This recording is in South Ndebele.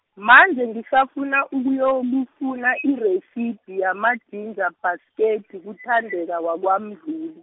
manje ngisafuna ukuyokufuna iresiphi, yamajinja bhasketi, kuThandeka wakwaMdluli .